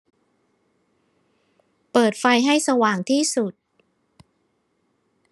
เปิดไฟให้สว่างที่สุด